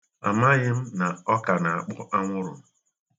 Amaghị m na ọ ka na-akpọ anwụrụ.